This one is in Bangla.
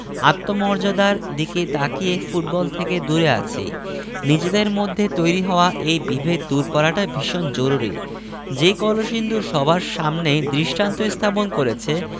আত্মমর্যাদার দিকে তাকিয়ে ফুটবল থেকে দূরে আছি নিজেদের মধ্যে তৈরি হওয়া এই বিভেদ দূর করাটা ভীষণ জরুরি যে কলসিন্দুর সবার সামনে দৃষ্টান্ত স্থাপন করেছে